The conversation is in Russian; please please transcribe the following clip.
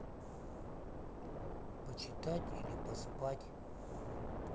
почитать или поспать